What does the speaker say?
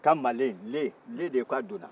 kamale le de ye k'a donna